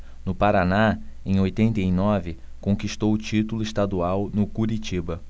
no paraná em oitenta e nove conquistou o título estadual no curitiba